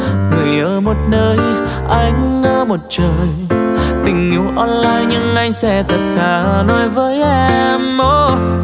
người ở một nơi anh ở một trời tình yêu online nhưng anh sẽ thật thà nói với em